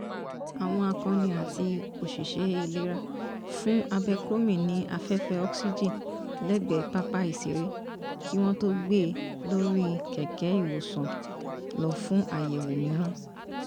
Àwọn Akọni àti òṣìṣẹ́ ìlera fún Abercrombie ní afẹ́fẹ́ oxygen lẹ́gbẹ̀é pápá ìṣere kí wọ́n tó gbé e lé orí kẹ́kẹ́-ìwòsàn lọ fún àyẹ̀wò míràn.